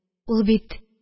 Ул бит